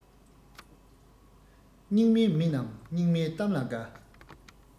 སྙིགས མའི མི རྣམས སྙིགས མའི གཏམ ལ དགའ